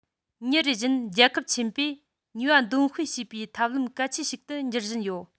ཉིན རེ བཞིན རྒྱལ ཁབ ཆེན པོས ནུས པ འདོན སྤེལ བྱེད པའི ཐབས ལམ གལ ཆེན ཞིག ཏུ འགྱུར བཞིན ཡོད